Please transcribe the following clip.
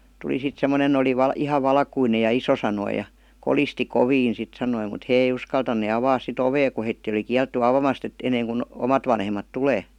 tuli sitten semmoinen oli - ihan valkoinen ja iso sanoi ja kolisti kovin sitten sanoi mutta he ei uskaltaneet avata sitten ovea kun heitä oli kielletty avaamasta että ennen kuin omat vanhemmat tulee